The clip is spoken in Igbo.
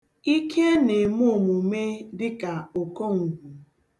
Ike na-eme omume dịka okongwu.